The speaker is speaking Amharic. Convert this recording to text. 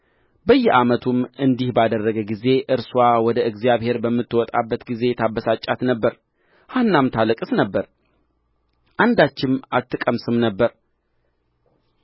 በየዓመቱም እንዲህ ባደረገ ጊዜ እርስዋም ወደ እግዚአብሔር በምትወጣበት ጊዜ ታበሳጫት ነበር ሐናም ታለቅስ ነበር አንዳችም አትቀምስም ነበር